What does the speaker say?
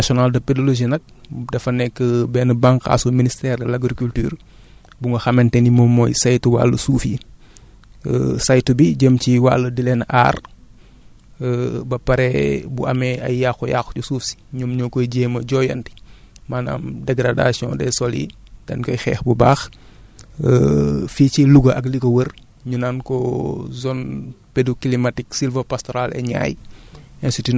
institut national de pédologie nag dafa nekk benn bànqaassu ministère de l' agriculture bu nga xamante ni moom mooy saytu wàll suuf yi saytu bi jëm ci wàll di leen aar ba pare bu amee ay yàqu-yàqu ci suuf si ñoom ñoo koy jéem a jooyanti maanaam dégradation des sols yi dañ koy xeex bu baax fii ci Louga ak li ko wër ñu naan ko zone pédoclimatique sylvopastoral et Niayes